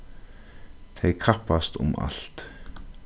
tey kappast um alt